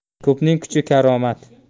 ko'pning kuchi karomat